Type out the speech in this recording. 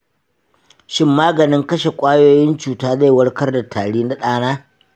shin maganin kashe ƙwayoyin cuta zai warkar da tari na ɗana?